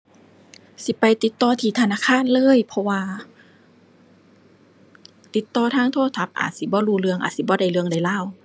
สิไปติดต่อที่ธนาคารเลย เพราะว่าติดต่อทางโทรศัพท์อาจสิบ่รู้เรื่อง อาจสิบ่ได้เรื่องได้ราว